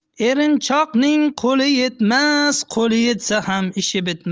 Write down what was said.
erinchoqning qo'li yetmas qo'li yetsa ham ishi bitmas